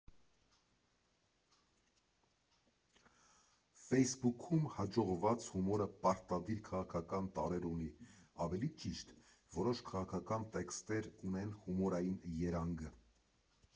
Ֆեյսբուքում հաջողված հումորը պարտադիր քաղաքական տարրեր ունի, ավելի ճիշտ՝ որոշ քաղաքական տեքստեր ունեն հումորային երանգ։